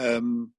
yym